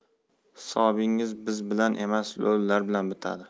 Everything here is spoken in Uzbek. hisobing biz bilan emas lo'lilar bilan bitadi